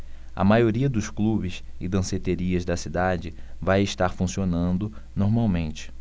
a maioria dos clubes e danceterias da cidade vai estar funcionando normalmente